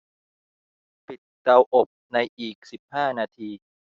ปิดเตาอบในอีกสิบห้านาที